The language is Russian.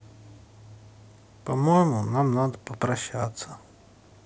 по моему нам надо прощаться